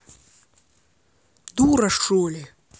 дура шоли